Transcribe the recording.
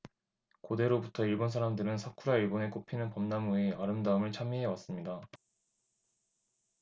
고대로부터 일본 사람들은 사쿠라 일본의 꽃피는 벚나무 의 아름다움을 찬미해 왔습니다